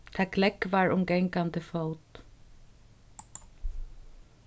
tað glógvar um gangandi fót